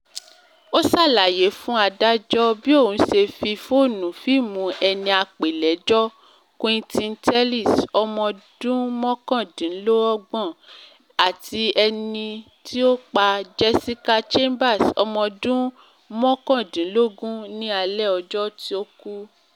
Ó ṣàlàyé fún adájọ́ bí òun ṣe fi fóònù fíìmù ẹniàpélẹ́jọ́, Quinton Tellis, ọmọ ọdún 29, àti ẹni tí ó pa, Jessica Chambers, ọmọ ọdún 19, ní alẹ́ ọjọ́ tó kú.